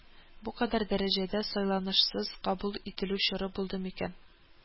Бу кадәр дәрәҗәдә сайланышсыз кабул ителү чоры булды микән